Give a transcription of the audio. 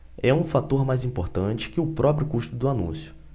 é um fator mais importante que o próprio custo do anúncio